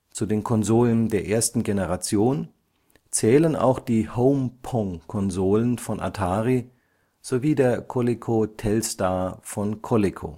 Zu den Konsolen der ersten Generation zählen auch die Home-Pong-Konsolen von Atari sowie der Coleco Telstar von Coleco